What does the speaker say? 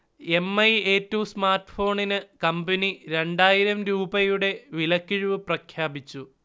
M. I. A two സ്മാർട്ഫോണിന് കമ്പനി രണ്ടായിരം രൂപയുടെ വിലക്കിഴിവ് പ്രഖ്യാപിച്ചു